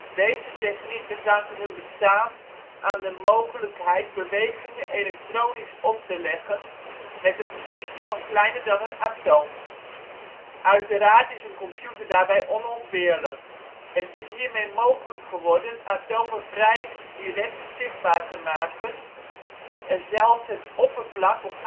Deze technieken danken hun bestaan aan de mogelijkheid bewegingen elektronisch op te leggen met een precisie van kleiner dan een atoom. Uiteraard is een computer daarbij onontbeerlijk. Het is hiermee mogelijk geworden atomen vrij direct ' zichtbaar ' te maken en zelfs het oppervlak